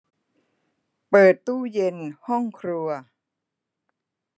เปิดตู้เย็นห้องครัว